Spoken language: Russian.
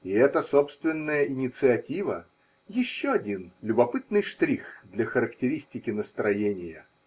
И эта собственная инициатива – еще один любопытный штрих для характеристики настроения.